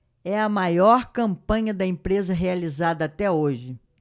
é a maior campanha da empresa realizada até hoje